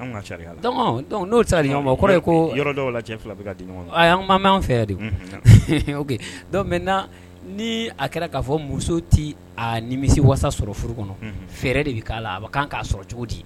Anw ka sariya la donc n'o tɛ se ka di ɲɔgɔn ma, o kɔrɔ ye ko, dɔw la, c 2 bɛka di ɲɔgɔn ma, ayi, an bɛ yan de wo, unhun, n y'a faamu, ok donc, maintenant ni a kɛra k'a fɔ ko muso tɛ a ninmisi wasa sɔrɔ furu kɔnɔ , fɛɛrɛ de bɛ k'a la a ka kan k'a sɔrɔ cogo di!